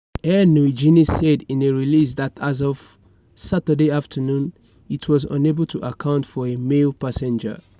Air Niugini said in a release that as of Saturday afternoon, it was unable to account for a male passenger.